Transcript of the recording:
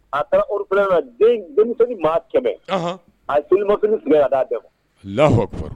A taara op na den denmisɛnnin maa kɛmɛ a jelilima kɛmɛ' d'a de ma